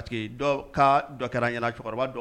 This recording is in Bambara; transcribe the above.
Ka dɔ kɛra yɛlɛ cɛkɔrɔba